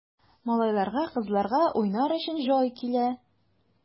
Малайларга, кызларга уйнар өчен җай килә!